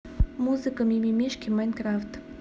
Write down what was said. музыка мимимишки майнкрафт